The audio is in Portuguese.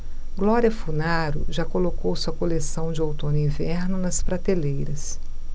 glória funaro já colocou sua coleção de outono-inverno nas prateleiras